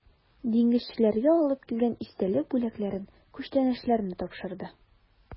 Диңгезчеләргә алып килгән истәлек бүләкләрен, күчтәнәчләрне тапшырды.